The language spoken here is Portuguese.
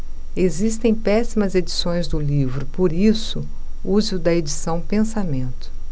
existem péssimas edições do livro por isso use o da edição pensamento